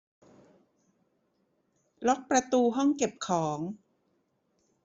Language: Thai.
ล็อกประตูห้องเก็บของ